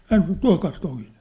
hän sanoi että tuokaas toinen